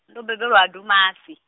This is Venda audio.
ndo bebelwa Ha Dumasi.